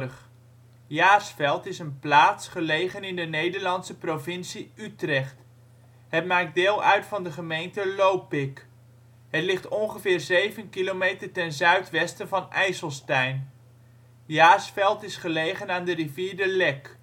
'N, 4°59'O Jaarsveld Plaats in Nederland Situering Provincie Utrecht Gemeente Lopik Coördinaten 51° 58′ NB, 4° 59′ OL Algemeen Inwoners (2001) 248 Portaal Nederland Jaarsveld is een plaats gelegen in de Nederlandse provincie Utrecht. Het maakt deel uit van de gemeente Lopik. Het ligt ongeveer 7 km ten zuidwesten van IJsselstein. Jaarsveld is gelegen aan de rivier de Lek